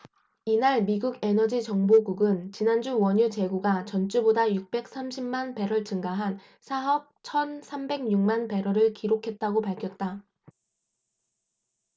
이날 미국 에너지정보국은 지난주 원유 재고가 전주보다 육백 삼십 만 배럴 증가한 사 억 천 삼백 육 만 배럴을 기록했다고 밝혔다